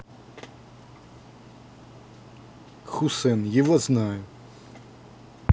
хусен его знаю